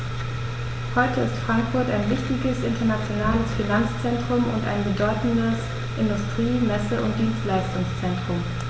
Heute ist Frankfurt ein wichtiges, internationales Finanzzentrum und ein bedeutendes Industrie-, Messe- und Dienstleistungszentrum.